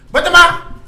Batba